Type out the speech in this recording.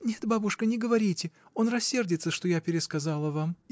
— Нет, бабушка, не говорите, — он рассердится, что я пересказала вам.